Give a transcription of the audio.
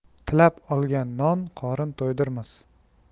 tilab olgan non qorin to'ydirmas